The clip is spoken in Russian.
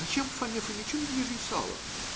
зачем Фоме Фомичу медвежье сало?